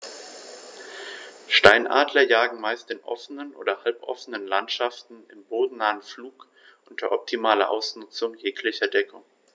Steinadler jagen meist in offenen oder halboffenen Landschaften im bodennahen Flug unter optimaler Ausnutzung jeglicher Deckung.